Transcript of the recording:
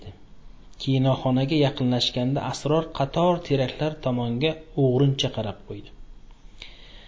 kinoxonaga yaqinlashganda sror qator teraklar tomonga o'g'rincha qarab qo'ydi